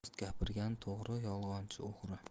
rost gapirgan to'g'ri yolg'onchi o'g'ri